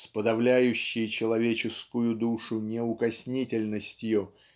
с подавляющей человеческую душу неукоснительностью